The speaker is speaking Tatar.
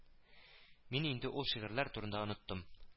Мин инде ул шигырьләр турында оныттым